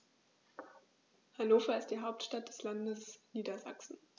Hannover ist die Hauptstadt des Landes Niedersachsen.